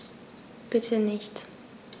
Bitte nicht.